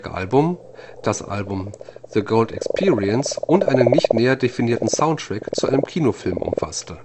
Album, das Album The Gold Experience und einen nicht näher definierten Soundtrack zu einem Kinofilm umfasste